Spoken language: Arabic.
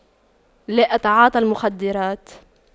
لا أتعاطى المخدرات